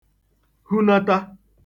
hunata